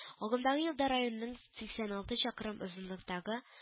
Агымдагы елда районның сиксән алты чакрым озынлыктагы